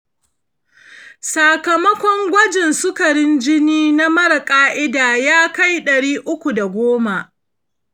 sakamakon gwajin sukarin jini na marar ƙa'ida ya kai ɗari uku da goma.